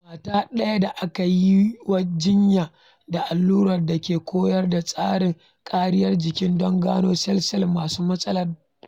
Mata ɗaya da aka yi wa jinya da allurar, da ke koyar da tsarin kariyar jikin don gano sel-sel masu matsalar, ta ga sankararta ta mahaifa ta ɓace na fiye da watanni 18.